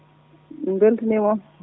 min beltanima on